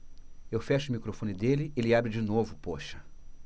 eu fecho o microfone dele ele abre de novo poxa